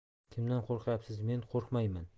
kimdan qo'rqyapsiz men qo'rqmayman